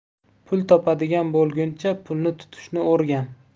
pul topadigan bo'lguncha pulni tutishni o'rgan